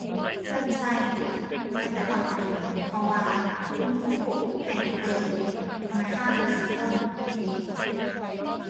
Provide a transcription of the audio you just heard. เริ่มใช้ตั้งแต่ตอนประถม เพราะว่าคุณครูให้เปิดธนาคารซุคน